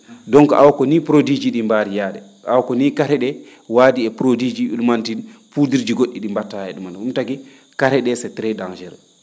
donc awa ko nii produit ji ?ii mbaadi yaade awo ko nii kare ?ee waadi e produit ji ?umantin puudurji go??i ?i mbattaa he ?uman ?um ?um taki kare ?e c' trés dangereux